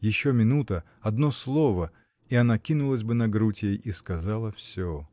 Еще минута, одно слово — и она кинулась бы на грудь ей и сказала всё!